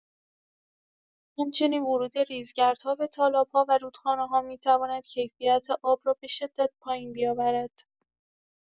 همچنین ورود ریزگردها به تالاب‌ها و رودخانه‌ها می‌تواند کیفیت آب را به‌شدت پایین بیاورد.